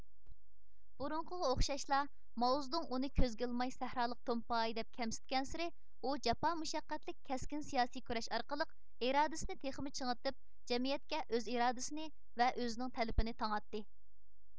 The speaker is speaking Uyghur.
بۇرۇنقىغا ئوخشاشلا ماۋزېدۇڭ ئۇنى كۆزگە ئىلماي سەھرالىق تومپاي دەپ كەمسىتكەنسېرى ئۇ جاپا مۇشەققەتلىك كەسكىن سىياسىي كۈرەش ئارقىلىق ئىرادىسىنى تېخىمۇ چىڭىتىپ جەمئىيەتكە ئۆز ئىرادىسىنى ۋە ئۆزىنىڭ تەلىپىنى تاڭاتتى